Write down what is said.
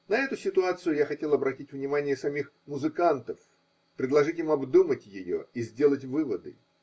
На эту ситуацию я хотел обратить внимание самих музыкантов, предложить им обдумать ее и сделать выводы.